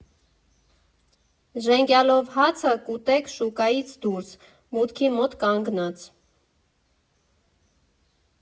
Ժենգյալով հացը կուտեք շուկայից դուրս, մուտքի մոտ կանգնած։